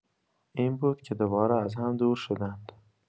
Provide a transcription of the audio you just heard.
این بود که دوباره از هم دور شدند.